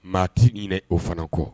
Maa t tɛ iinɛ o fana kɔ